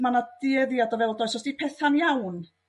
ma' 'na dueddiad o feddwl does? Os 'di petha'n iawn